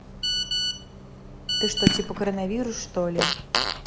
ты что типа коронавирус что ли